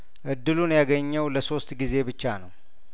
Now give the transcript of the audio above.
እድሉን ያገኘው ለሶስት ጊዜ ብቻ ነው